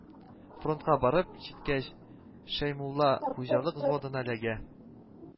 Фронтка барып җиткәч Шәймулла хуҗалык взводына эләгә